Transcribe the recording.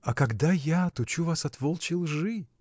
— А когда я отучу вас от волчьей лжи?